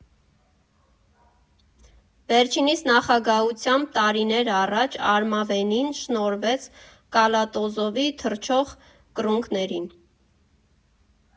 Վերջինիս նախագահությամբ տարիներ առաջ Արմավենին շնորհվեց Կալատոզովի թռչող կռունկներին։